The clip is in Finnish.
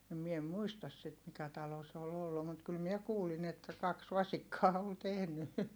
ja minä en muista sitä mikä talo se oli ollut mutta kyllä minä kuulin että kaksi vasikkaa oli tehnyt